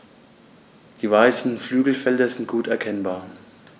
Die weißen Flügelfelder sind gut erkennbar.